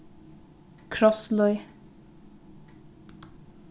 krosslíð